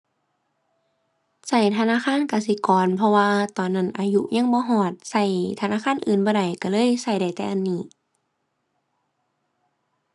ใช้ธนาคารกสิกร เพราะว่าตอนนั้นอายุยังบ่ฮอด ใช้ธนาคารอื่นบ่ได้ ใช้เลยใช้ได้แต่อันนี้